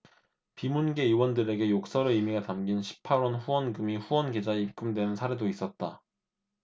비문계 의원들에게 욕설의 의미가 담긴 십 팔 원 후원금이 후원 계좌에 입금되는 사례도 있었다